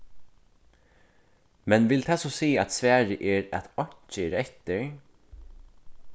men vil tað so siga at svarið er at einki er eftir